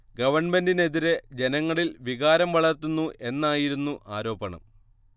ഗവണ്മെന്റിനു എതിരെ ജനങ്ങളിൽ വികാരം വളർത്തുന്നു എന്നായിരുന്നു ആരോപണം